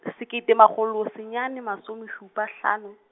sekete magolo senyane masome šupa hlano.